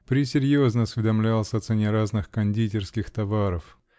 пресерьезно осведомлялся о цене разных "кондитерских" товаров